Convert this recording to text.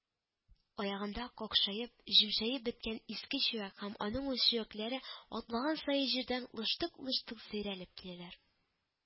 Аягында кайшаеп-җәмшәеп беткән иске чүәк һәм аның ул чүәкләре атлаган саен җирдән лыштык-лыштык сөйрәлеп киләләр